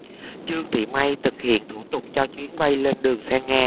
trương thị may thực hiện thủ tục cho chuyến bay lên đường sang nga